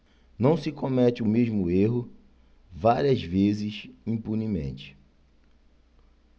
não se comete o mesmo erro várias vezes impunemente